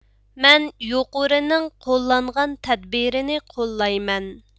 مەن يۇقىرىنىڭ قوللانغان تەدبىرىنى قوللايمەن